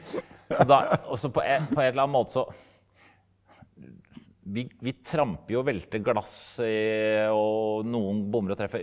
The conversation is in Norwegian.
så da også på en på en eller annen måte så vi vi tramper jo og velter glass og noen bommer og treffer.